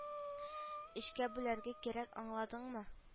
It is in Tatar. Өчкә бүләргә кирәк аңладыңмы